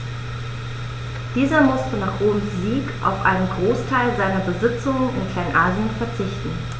Dieser musste nach Roms Sieg auf einen Großteil seiner Besitzungen in Kleinasien verzichten.